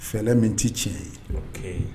Fɛɛlɛ min tɛ tiɲɛ ye, ok